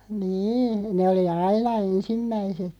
niin ne oli aina ensimmäiset